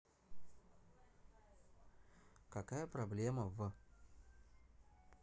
какая проблема в